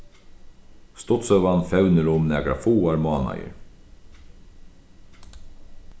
stuttsøgan fevnir um nakrar fáar mánaðir